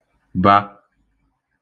ba